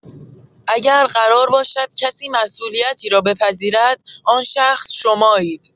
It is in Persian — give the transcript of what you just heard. اگر قرار باشد کسی مسئولیتی را بپذیرد، آن شخص شمایید.